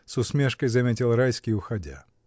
— с усмешкой заметил Райский, уходя.